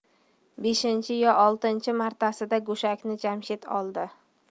beshinchi yo oltinchi martasida go'shakni jamshid oldi